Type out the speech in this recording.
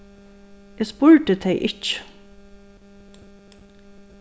eg spurdi tey ikki